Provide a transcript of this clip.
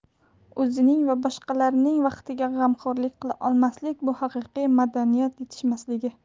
o'zining va boshqalarning vaqtiga g'amxo'rlik qila olmaslik bu haqiqiy madaniyat etishmasligi n